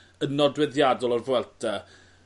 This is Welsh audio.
yn nodweddiadol o'r Vuelta.